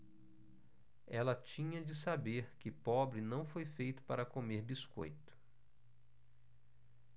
ela tinha de saber que pobre não foi feito para comer biscoito